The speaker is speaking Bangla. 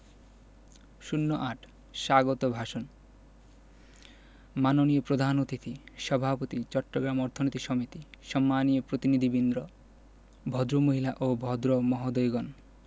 ০৮ স্বাগত ভাষণ মাননীয় প্রধান অতিথি সভাপতি চট্টগ্রাম অর্থনীতি সমিতি সম্মানীয় প্রতিনিধিবৃন্দ ভদ্রমহিলা ও ভদ্রমহোদয়গণ